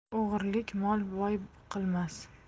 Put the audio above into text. o'g'irlik mol boy qilmas